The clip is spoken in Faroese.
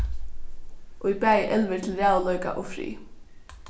ið bæði elvir til ræðuleika og frið